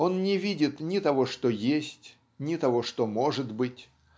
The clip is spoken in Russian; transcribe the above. он не видит ни того, что есть, ни того, что может быть